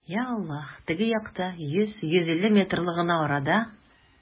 Йа Аллаһ, теге якта, йөз, йөз илле метрлы гына арада!